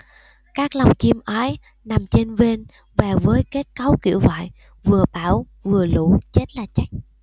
các lồng chim ấy nằm chênh vênh và với kết cấu kiểu vậy vừa bão vừa lũ chết là chắc